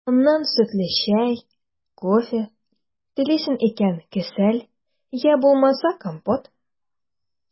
Аннан сөтле чәй, кофе, телисең икән – кесәл, йә булмаса компот.